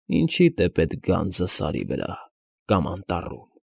Ինչի՞դ է պետք գանձը Սարի վրա կամ անտառում։